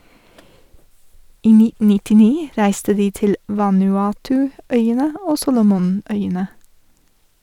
I 1999 reiste de til Vanuatuøyene og Solomonøyene.